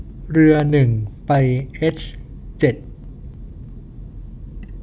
เรือหนึ่งไปเอชเจ็ด